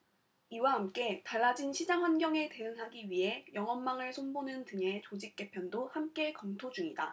이와 함께 달라진 시장환경에 대응하기 위해 영업망을 손보는 등의 조직 개편도 함께 검토 중이다